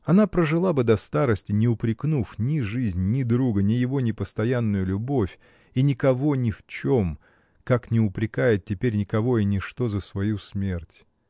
Она прожила бы до старости, не упрекнув ни жизнь, ни друга, ни его непостоянную любовь, и никого ни в чем, как не упрекает теперь никого и ничто за свою смерть.